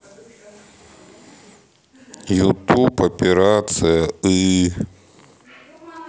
ютуб операция ы